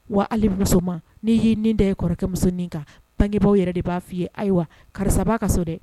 Wa ali musoman n' y' ye nin de ye kɔrɔkɛ mu kan pangebaw yɛrɛ de b'a f fɔi ye ayiwa karisaba ka so dɛ